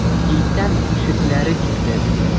Килсәм, ишекләре бикле.